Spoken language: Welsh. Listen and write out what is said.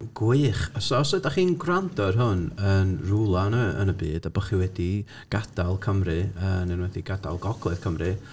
Gwych. So os ydych chi'n gwrando ar hwn, yn rhwla yn y yn y byd, a bod chi wedi gadael Cymru, yn enwedig gadael Gogledd Cymru...